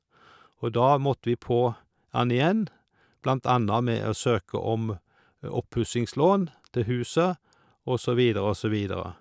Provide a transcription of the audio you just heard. Og da måtte vi på den igjen, blant anna med å søke om oppussingslån til huset, og så videre og så videre.